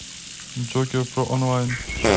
джокер про онлайн